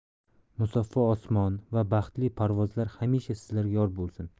musaffo osmon va baxtli parvozlar hamisha sizlarga yor bo'lsin